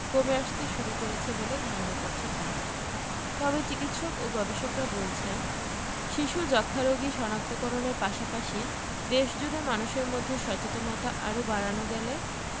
কমে আসতে শুরু করেছে বলে ধারণা করছেন তারা তবে চিকিৎসক ও গবেষকরা বলছেন শিশু যক্ষ্ণারোগী শনাক্ত করণের পাশাপাশি দেশজুড়ে মানুষের মধ্যে সচেতনতা আরও বাড়ানো গেলে